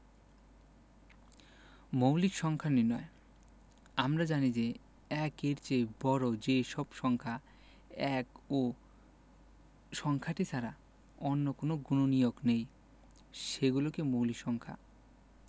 মৌলিক সংখ্যা নির্ণয় আমরা জানি যে ১-এর চেয়ে বড় যে সব সংখ্যা ১ ও সংখ্যাটি ছাড়া অন্য কোনো গুণনীয়ক নেই সেগুলো মৌলিক সংখ্যা